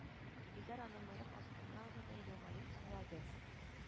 Илгизәр аны мыек астыннан гына елмаеп тыңлады